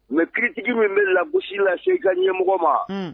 Mɛ kitigi min bɛ laurusi lase seka ɲɛmɔgɔ ma